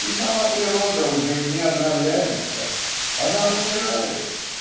и сама природа уже не обновляется она умирает